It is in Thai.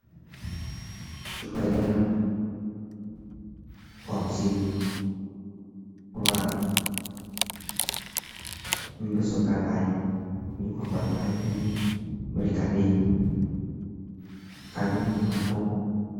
ข้อยแนะนำออมสิน เพราะว่ามีประสบการณ์หลาย มีความปลอดภัย มีบริการดี การเงินมั่นคง